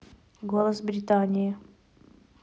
голос британии